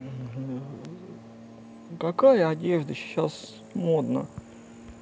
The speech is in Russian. какая одежда сейчас модна